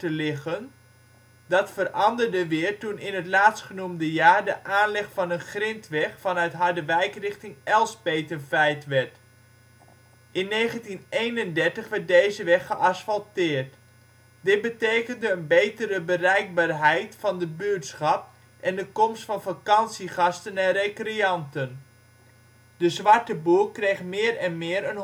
liggen, dat veranderde weer toen in het laatstgenoemde jaar de aanleg van een grindweg vanuit Harderwijk richting Elspeet een feit werd. In 1931 werd deze weg geasfalteerd. Dit betekende een betere bereikbaarheid van de buurtschap en de komst van vacantiegasten en recreanten. " De Zwarte Boer " kreeg meer en meer